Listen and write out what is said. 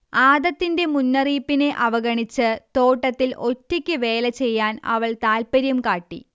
ആദത്തിന്റെ മുന്നറിയിപ്പിനെ അവഗണിച്ച് തോട്ടത്തിൽ ഒറ്റയ്ക്ക് വേലചെയ്യാൻ അവൾ താൽപര്യം കാട്ടി